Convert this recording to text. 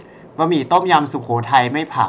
บะหมี่ต้มยำสุโขทัยไม่ผัก